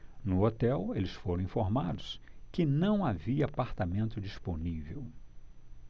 no hotel eles foram informados que não havia apartamento disponível